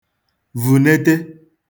vùnete